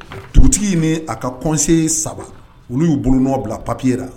Dugutigi ni a ka kɔse saba olu y'u bolo nɔ bila papiera